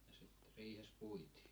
ja sitten riihessä puitiin